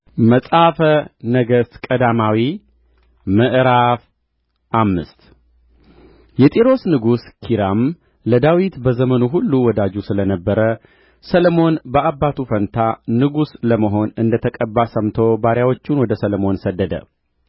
መጽሐፈ ነገሥት ቀዳማዊ ምዕራፍ አምስት የጢሮስ ንጉሥ ኪራም ለዳዊት በዘመኑ ሁሉ ወዳጅ ስለ ነበረ ሰሎሞን በአባቱ ፋንታ ንጉሥ ለመሆን እንደ ተቀባ ሰምቶ ባሪያዎቹን ወደ ሰሎሞን ሰደደ